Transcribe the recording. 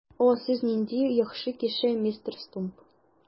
О, сез нинди яхшы кеше, мистер Стумп!